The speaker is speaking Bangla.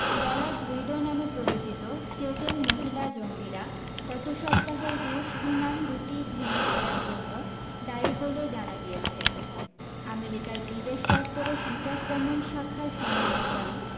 বল্যাক উইডো নামে পরিচিত চেচেন মহিলা জঙ্গিরা গত সপ্তাহের রুশ বিমান দু টি ভেঙে পড়ার জন্য দায়ী বলে জানা গিয়েছে আমেরিকার বিদেশ দফতরের সন্ত্রাস দমন শাখার সমন্বয়কারী